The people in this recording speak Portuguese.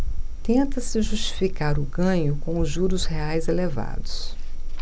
tenta-se justificar o ganho com os juros reais elevados